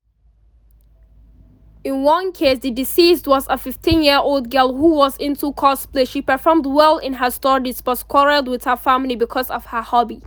In one case, the deceased was a 15-year-old girl who was into cosplay. She performed well in her studies but quarrelled with her family because of her hobby.